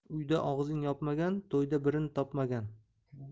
uyda og'zin yopmagan to'yda birin topmagan